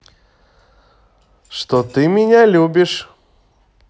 что ты меня любишь